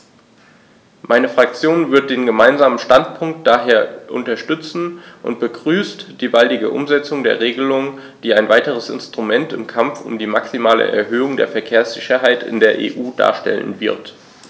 Meine Fraktion wird den Gemeinsamen Standpunkt daher unterstützen und begrüßt die baldige Umsetzung der Regelung, die ein weiteres Instrument im Kampf um die maximale Erhöhung der Verkehrssicherheit in der EU darstellen wird.